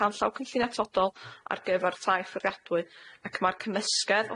canllaw cynllun atodol ar gyfer tai fforiadwy ac ma'r cymysgedd